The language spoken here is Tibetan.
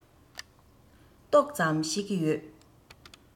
ཏོག ཙམ ཤེས ཀྱི ཡོད